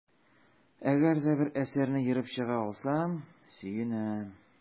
Әгәр дә бер әсәрне ерып чыга алсам, сөенәм.